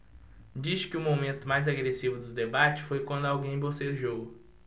diz que o momento mais agressivo do debate foi quando alguém bocejou